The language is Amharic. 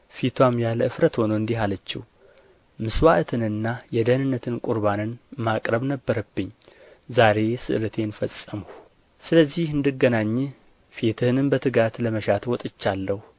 ፊትዋም ያለ እፍረት ሆኖ እንዲህ አለችው መሥዋዕትንና የደኅንነት ቍርባንን ማቅረብ ነበረብኝ ዛሬ ስእለቴን ፈጸምሁ ስለዚህ እንድገናኝህ ፊትህንም በትጋት ለመሻት ወጥቻለሁ